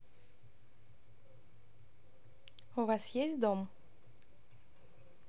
а у вас есть дом